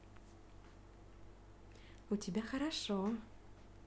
у тебя хорошо